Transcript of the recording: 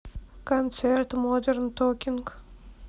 концерт модерн токинг